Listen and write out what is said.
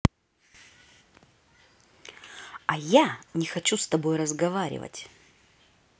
а я не хочу с тобой разговаривать